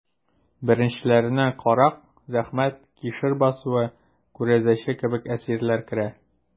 Беренчеләренә «Карак», «Зәхмәт», «Кишер басуы», «Күрәзәче» кебек әсәрләр керә.